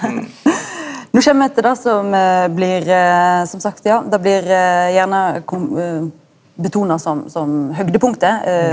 no kjem me til det som blir som sagt ja det blir gjerne kom betona som som høgdepunktet .